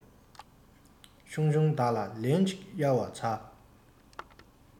ཆུང ཆུང བདག ལ ལེན ཅིག གཡར བར འཚལ